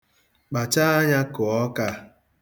Kpachaa anya kụọ ọka a.